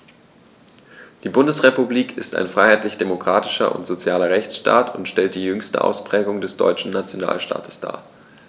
Die Bundesrepublik ist ein freiheitlich-demokratischer und sozialer Rechtsstaat und stellt die jüngste Ausprägung des deutschen Nationalstaates dar.